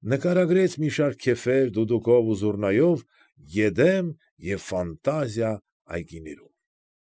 Նկարագրեց մի շարք քեֆեր, դուդուկով ու զուռնայով, «Եդեմ» և «Ֆանտազիա» այգիներում։